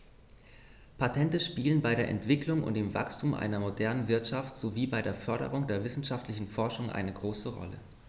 Patente spielen bei der Entwicklung und dem Wachstum einer modernen Wirtschaft sowie bei der Förderung der wissenschaftlichen Forschung eine große Rolle.